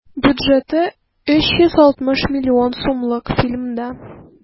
Бюджеты 360 миллион сумлык фильмда.